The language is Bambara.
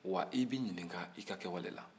wa i bɛ ɲinika i ka kɛwale la